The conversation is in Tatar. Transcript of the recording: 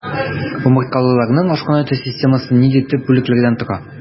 Умырткалыларның ашкайнату системасы нинди төп бүлекләрдән тора?